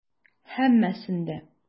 Һәммәсен дә.